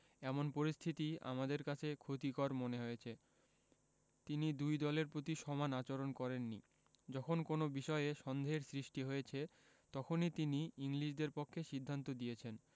এমন পরিস্থিতি আমাদের কাছে ক্ষতিকর মনে হয়েছে তিনি দুই দলের প্রতি সমান আচরণ করেননি যখন কোনো বিষয়ে সন্দেহের সৃষ্টি হয়েছে তখনই তিনি ইংলিশদের পক্ষে সিদ্ধান্ত দিয়েছেন